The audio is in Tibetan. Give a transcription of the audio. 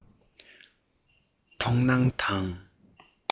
མཐོང སྣང དང